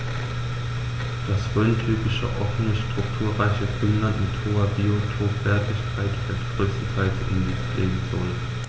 Das rhöntypische offene, strukturreiche Grünland mit hoher Biotopwertigkeit fällt größtenteils in die Pflegezone.